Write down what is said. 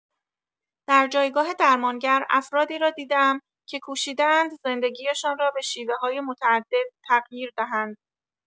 در جایگاه درمانگر افرادی را دیده‌ام که کوشیده‌اند زندگی‌شان را به شیوه‌های متعدد تغییر دهند.